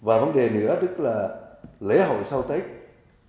và vấn đề nữa tức là lễ hội sau tết